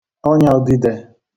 ọnyàụdide